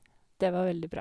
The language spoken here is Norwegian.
Det var veldig bra.